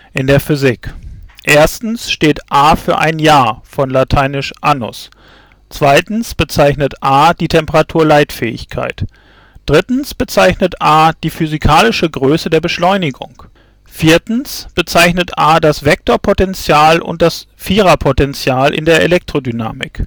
in der Physik steht a für ein Jahr (von lat. annus) bezeichnet a die Temperaturleitfähigkeit bezeichnet a die physikalische Größe der Beschleunigung bezeichnet A das Vektorpotenzial und das Viererpotenzial in der Elektrodynamik